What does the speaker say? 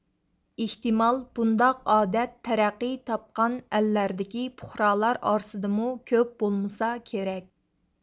ئېھتىمال بۇنداق ئادەت تەرەققىي تاپقان ئەللەردىكى پۇقرالار ئارىسىدىمۇ كۆپ بولمىسا كېرەك